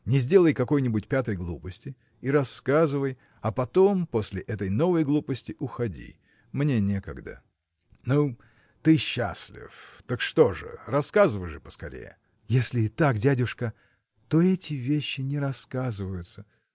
не сделай какой-нибудь пятой глупости и рассказывай а потом после этой новой глупости уходи мне некогда. Ну. ты счастлив. так что же? рассказывай же поскорее. – Если и так дядюшка то эти вещи не рассказываются